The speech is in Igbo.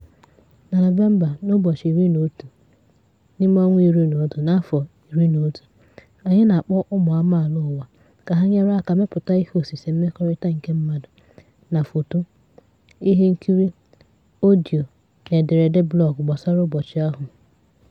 Na Nọvemba, na 11/11/11 anyị na-akpọ ụmụ amaala ụwa ka ha nyere aka mepụta ihe osise mmekọrịta nke mmadụ na: foto, ihe nkiri, ọdịyo, na ederede blọọgụ gbasara ụbọchị a.